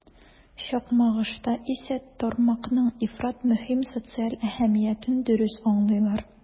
Чакмагышта исә тармакның ифрат мөһим социаль әһәмиятен дөрес аңлыйлар.